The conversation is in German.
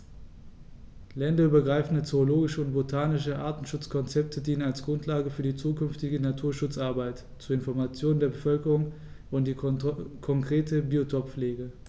Länderübergreifende zoologische und botanische Artenschutzkonzepte dienen als Grundlage für die zukünftige Naturschutzarbeit, zur Information der Bevölkerung und für die konkrete Biotoppflege.